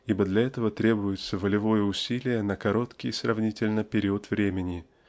ибо для этого требуется волевое усилие на короткий сравнительно период времени